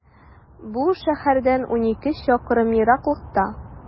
Бу шәһәрдән унике чакрым ераклыкта.